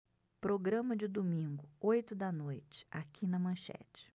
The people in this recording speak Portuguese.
programa de domingo oito da noite aqui na manchete